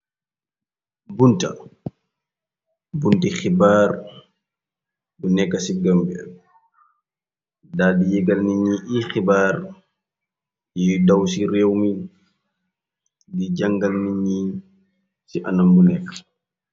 Bunta bunti xibaar bu nekk ci gambia dal di yegal ni ñi i xibaar yuy daw ci réew mi di jangal ni ñii ci anam bu nekk.